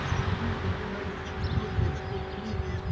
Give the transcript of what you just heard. и вы, и я, и очень многие такого мнения